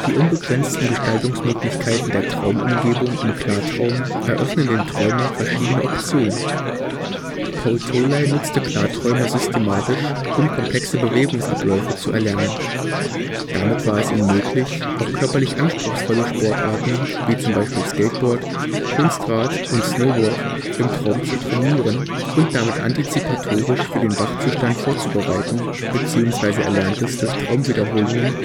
unbegrenzten Gestaltungsmöglichkeiten der Traumumgebung im Klartraum eröffnen dem Träumer verschiedene Optionen: Paul Tholey nutzte Klarträume systematisch, um komplexe Bewegungsabläufe zu erlernen. Damit war es ihm möglich, auch körperlich anspruchsvolle Sportarten wie z. B. Skateboard, Kunstrad und Snowboard im Traum zu „ trainieren “und damit antizipatorisch für den Wachzustand vorzubereiten bzw. Erlerntes durch Traumwiederholungen